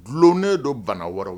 Dulonnen don bana wɔɔrɔw